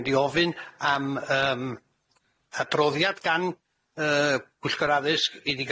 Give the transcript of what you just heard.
mynd i ofyn am yym adroddiad gan yy pwyllgor addysg i ni